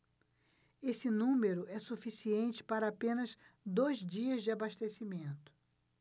esse número é suficiente para apenas dois dias de abastecimento